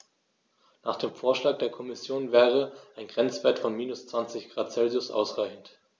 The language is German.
Nach dem Vorschlag der Kommission wäre ein Grenzwert von -20 ºC ausreichend.